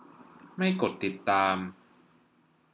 ไม่กดติดตาม